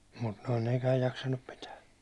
mutta nuo nekään jaksanut pitää